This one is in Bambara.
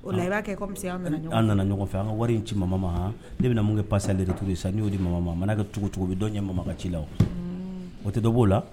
O'a kɛ an nana ɲɔgɔn fɛ an ka wari ci mamama ma ne bɛna mun kɛ pasa ale deur sisan n'o mamama mana kɛ cogo cogo bɛ dɔn ye mama ci la o tɛ dɔ b'o la